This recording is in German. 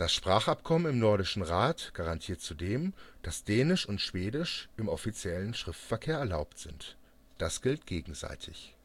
Sprachabkommen im Nordischen Rat garantiert zudem, dass Dänisch und Schwedisch im offiziellen Schriftverkehr erlaubt sind. Das gilt gegenseitig